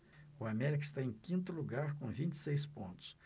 o américa está em quinto lugar com vinte e seis pontos